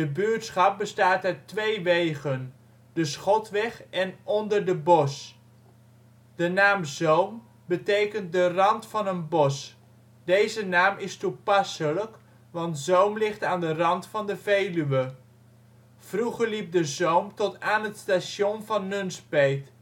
buurtschap bestaat uit twee wegen: de ' Schotweg ' en ' Onder de bos '. De naam Zoom betekent de rand van een bos. Deze naam is toepasselijk, want Zoom ligt aan de rand van de Veluwe. Vroeger liep de zoom tot aan het station van Nunspeet. Het